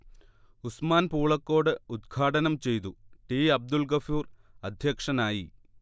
ഉസ്മാൻ പൂളക്കോട്ട് ഉദ്ഘാടനം ചെയ്തു, ടി അബ്ദുൾഗഫൂർ അധ്യക്ഷനായി